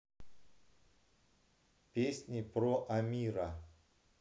песни про амира